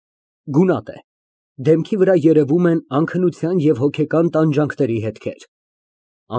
Գունատ է, դեմքի վրա երևում են անքնության և հոգեկան տանջանքների հետքեր)։